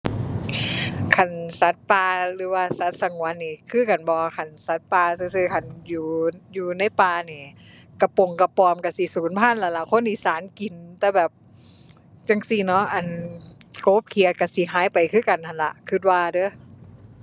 คันสัตว์ป่า หรือว่าสัตว์สงวนนี่คือกันบ่ คันสัตว์ป่าซื่อซื่อคันอยู่ อยู่ในป่านี่กะปงกะปอมก็สิสูญพันธุ์แล้วล่ะ คนอีสานกินแต่แบบจั่งซี้เนาะ อั่น กบ เขียดก็สิหายไปคือกันหั้นล่ะ ก็ว่าเด้อ